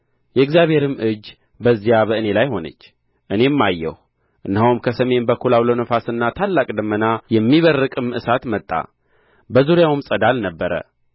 የእግዚአብሔርም እጅ በዚያ በእኔ ላይ ሆነች እኔም አየሁ እነሆም ከሰሜን በኩል ዐውሎ ነፋስና ታላቅ ደመና የሚበርቅም እሳት መጣ በዙሪያውም ፀዳል ነበረ